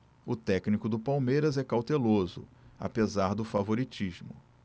o técnico do palmeiras é cauteloso apesar do favoritismo